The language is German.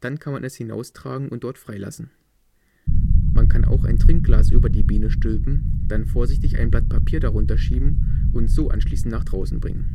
Dann kann man es hinaustragen und dort freilassen. Man kann auch ein Trinkglas über die Biene stülpen, dann vorsichtig ein Blatt Papier darunterschieben und so anschließend nach draußen bringen